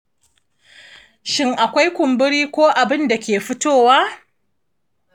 shin akwai kumburi ko abunda ke fitowa